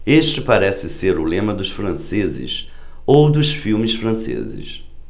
este parece ser o lema dos franceses ou dos filmes franceses